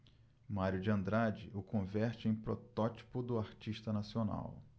mário de andrade o converte em protótipo do artista nacional